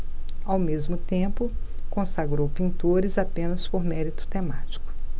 ao mesmo tempo consagrou pintores apenas por mérito temático